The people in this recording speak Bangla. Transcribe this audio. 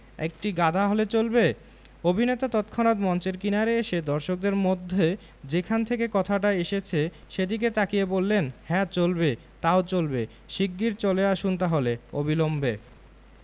একটি গাধা হলে চলবে অভিনেতা তৎক্ষনাত মঞ্চের কিনারে এসে দর্শকদের মধ্যে যেখান থেকে কথাটা এসেছে সেদিকে তাকিয়ে বললেন হ্যাঁ চলবে তাও চলবে শিগগির চলে আসুন তাহলে অবিলম্বে